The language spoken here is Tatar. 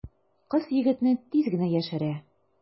Кыз егетне тиз генә яшерә.